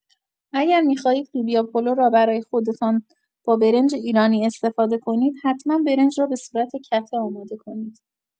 اگر می‌خواهید لوبیا پلو را برای خودتان با برنج ایرانی استفاده کنید حتما برنج را به‌صورت کته آماده کنید.